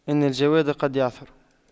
إن الجواد قد يعثر